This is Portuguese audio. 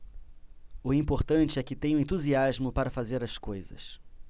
o importante é que tenho entusiasmo para fazer as coisas